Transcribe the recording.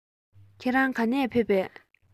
ཁྱེད རང ག ནས ཕེབས པས